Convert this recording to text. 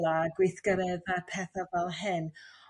a gweithgaredda' petha' fel hyn